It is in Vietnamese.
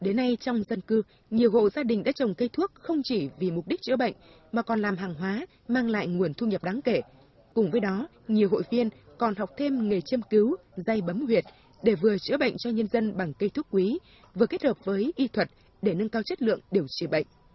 đến nay trong dân cư nhiều hộ gia đình đã trồng cây thuốc không chỉ vì mục đích chữa bệnh mà còn làm hàng hóa mang lại nguồn thu nhập đáng kể cùng với đó nhiều hội viên còn học thêm nghề châm cứu day bấm huyệt để vừa chữa bệnh cho nhân dân bằng cây thuốc quý vừa kết hợp với y thuật để nâng cao chất lượng điều trị bệnh